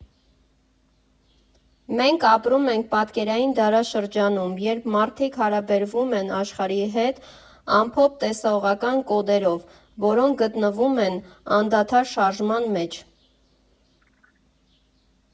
«Մենք ապրում ենք պատկերային դարաշրջանում, երբ մարդիկ հարաբերվում են աշխարհի հետ ամփոփ տեսողական կոդերով, որոնք գտնվում են անդադար շարժման մեջ։